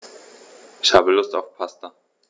Ich habe Lust auf Pasta.